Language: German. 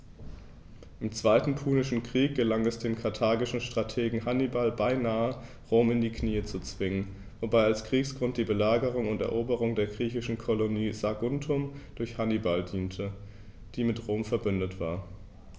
Im Zweiten Punischen Krieg gelang es dem karthagischen Strategen Hannibal beinahe, Rom in die Knie zu zwingen, wobei als Kriegsgrund die Belagerung und Eroberung der griechischen Kolonie Saguntum durch Hannibal diente, die mit Rom „verbündet“ war.